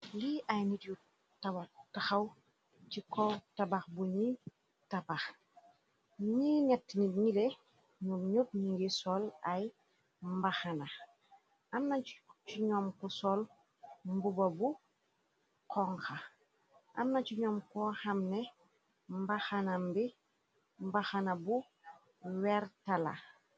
Lii ay nit yu taxaw ci ko tabax buñuy tabax ni nett nit nile ñum ñot ñi ngi sol ay mbaxana amna cu ñoom ko sol mbuba bu konxa amna cu ñoom ko xamne mbxabi mbaxana bu wertala.